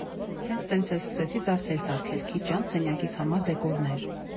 Հենց տենց էլ սկսեցի զարդեր սարքել, քիչ անց՝ սենյակիս համար դեկորներ։